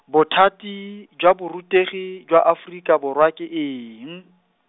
bothati jwa borutegi jwa Aforika Borwa ke eng?